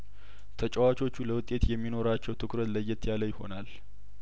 ተጫዋቾቹ ለውጤት የሚኖራቸው ትኩረት ለየት ያለይሆናል